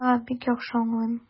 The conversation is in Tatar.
А, бик яхшы аңлыйм.